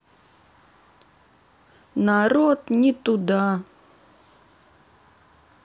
народ не туда